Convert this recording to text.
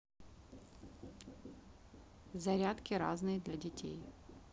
зарядки разные для детей